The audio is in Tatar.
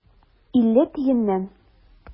Илле тиеннән.